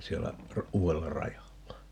siellä uudella rajalla